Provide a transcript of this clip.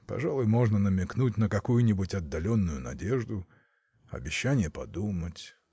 Пожалуй, можно намекнуть на какую-нибудь отдаленную надежду. обещание подумать.